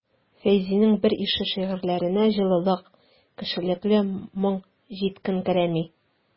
Фәйзинең берише шигырьләренә җылылык, кешелекле моң җитенкерәми.